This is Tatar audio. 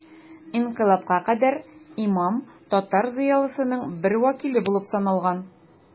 Инкыйлабка кадәр имам татар зыялысының бер вәкиле булып саналган.